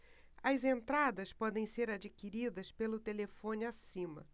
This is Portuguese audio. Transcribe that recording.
as entradas podem ser adquiridas pelo telefone acima